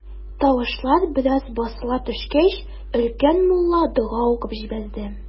Тавышлар бераз басыла төшкәч, өлкән мулла дога укып җибәрде.